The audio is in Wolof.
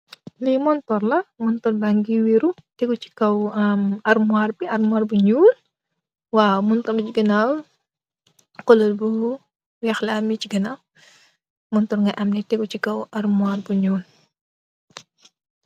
Li monturr la monturr bagi weer tegu si kaw am almorr almorr bu nuul waw almorr bu nuul wwa monturr mogi ndaw colour bu nuul weex la ameh si kanaw monturr mogi tegu si kaw almorr bu nuul.